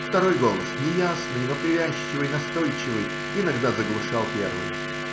Второй голос, неясный, но привязчивый и настойчивый, иногда заглушал первый.